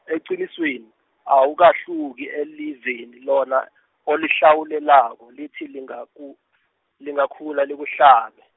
eqinisweni, awukahluki eliveni lona, olihlawulelako lithi lingaku-, lingakhula likuhlabe.